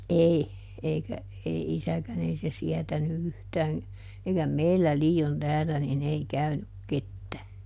ei eikä ei isäkään ei se sietänyt yhtään eikä meillä liioin täällä niin ei käynyt ketään